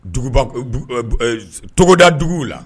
Dugu ban togoda dugu la